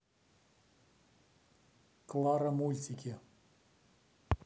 клара мультики